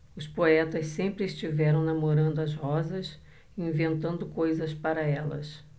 os poetas sempre estiveram namorando as rosas e inventando coisas para elas